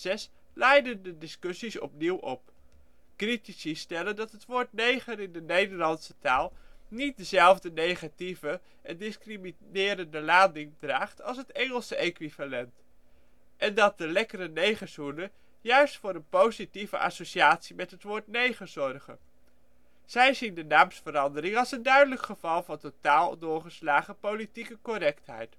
in 2006 laaiden discussies opnieuw op. Critici stellen dat het woord ' neger ' in de Nederlandse taal niet dezelfde negatieve (pejoratieve) en discriminerende lading draagt als het Engelse equivalent en dat de lekkere negerzoenen juist voor een positieve associatie met het woord ' neger ' zorgen. Zij zien de naamsverandering als een duidelijk geval van totaal doorgeslagen ' politieke correctheid